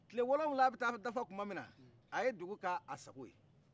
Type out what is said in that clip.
tile wolofila bɛ ta dafa tuma minna a ye dugu k' a sago ye